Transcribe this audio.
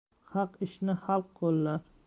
haq ishni xalq qo'llar